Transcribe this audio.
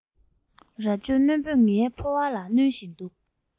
རྭ ཅོ རྣོན པོས ངའི ཕོ བ ལ བསྣུན བཞིན འདུག